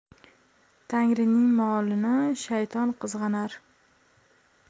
tangrining molini shayton qizg'anar